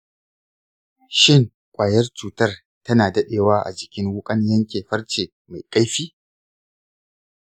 shin ƙwayar cutar tana daɗewa a jikin wuƙan yanke farce mai kaifi?